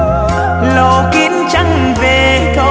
kín trăng về